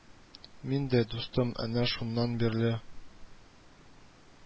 Мин дә, дустым, әнә шуннан бирле